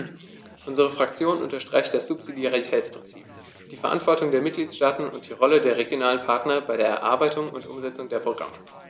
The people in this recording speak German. Unsere Fraktion unterstreicht das Subsidiaritätsprinzip, die Verantwortung der Mitgliedstaaten und die Rolle der regionalen Partner bei der Erarbeitung und Umsetzung der Programme.